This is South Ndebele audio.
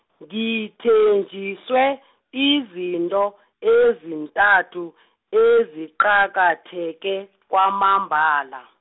ngithenjiswe , izinto, ezintathu, eziqakatheke, kwamambala.